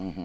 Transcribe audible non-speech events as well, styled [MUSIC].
[HESITATION] [HESITATION]